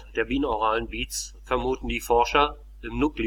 binauralen Beats vermuten die Forscher im Nucleus olivaris